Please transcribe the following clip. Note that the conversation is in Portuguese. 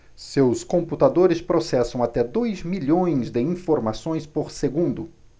seus computadores processam até dois milhões de informações por segundo